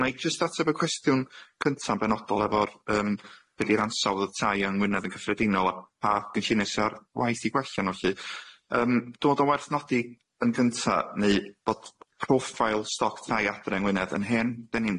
Wna i jyst ateb y cwestiwn cynta'n benodol efo'r yym be' di'r ansawdd y tai yng Ngwynedd yn cyffredinol a pa gynlluniau sy ar waith i gwella n'w lly yym dod o werth nodi yn gynta neu bod proffiail stoc tai adre yng ngwynedd yn hen dyn ni'm